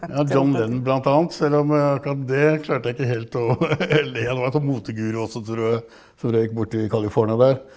ja John Lennon blant annet, selv om akkurat det klarte jeg ikke helt le av, det var sånn moteguru også tror jeg som røyk borti California der.